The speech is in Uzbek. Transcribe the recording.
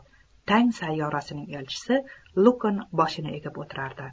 tang sayyorasining elchisi lukn boshini egib o'tirardi